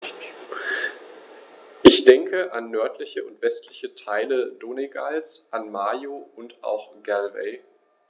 Ich denke an nördliche und westliche Teile Donegals, an Mayo, und auch Galway.